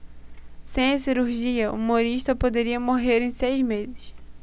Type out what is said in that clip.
sem a cirurgia humorista poderia morrer em seis meses